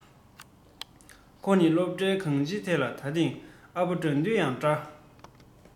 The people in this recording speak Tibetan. ཁོ ནི སློབ གྲྭའི གང སྤྱིའི ཐད ལ ད ཐེངས ཨ ཕ དགྲ འདུལ ཡང འདྲ